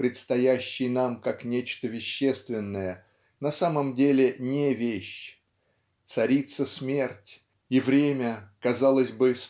предстоящий нам как нечто вещественное на самом деле не вещь. Царица-смерть и время казалось бы